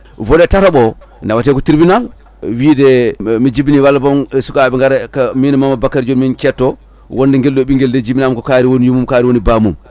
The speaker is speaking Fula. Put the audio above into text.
volet tataɓo o nawete ko tribunal wiide mi jibini walla bon sukaɓe gaare ko min e Mamadou Bakary joni min cetto wonde guelɗo ɓinnguel de jibinama ko kaari woni yummum ko kaari woni bammum